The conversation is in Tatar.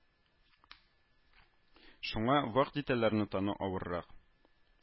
Шуңа вак детальләрне тану авыррак